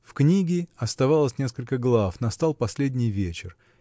В книге оставалось несколько глав; настал последний вечер.